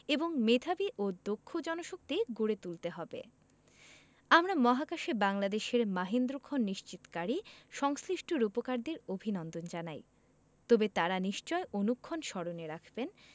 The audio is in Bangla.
এবং মেধাবী ও দক্ষ জনশক্তি গড়ে তুলতে হবে আমরা মহাকাশে বাংলাদেশের মাহেন্দ্রক্ষণ নিশ্চিতকারী সংশ্লিষ্ট রূপকারদের অভিনন্দন জানাই তবে তাঁরা নিশ্চয় অনুক্ষণ স্মরণে রাখবেন